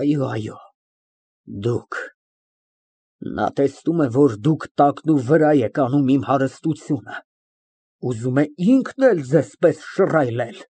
Այո, այո, դուք։ Նա տեսնում է, որ դուք տակնուվրա եք անում իմ հարստությունը, ուզում է ինքն էլ ձեզ պես շռայլել։